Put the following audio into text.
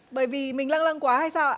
bởi vì mình lâng lâng quá hay sao ạ